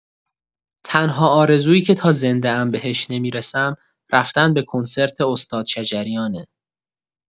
تنها آرزویی که تا زنده‌ام بهش نمی‌رسم رفتن به کنسرت استاد شجریانه.